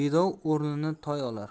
bedov o'rnini toy olar